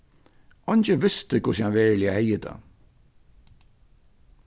eingin visti hvussu hann veruliga hevði tað